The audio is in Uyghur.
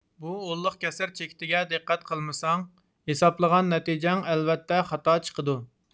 بۇ ئونلۇق كەسىر چېكىتىگە دىققەت قىلمىساڭ ھېسابلىغان نەتىجەڭ ئەلۋەتتە خاتا چىقىدۇ